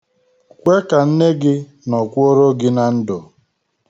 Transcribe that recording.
Kwe ka nne gị nọkwuoro gị na ndụ.